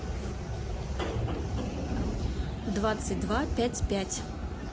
двадцать два пять пять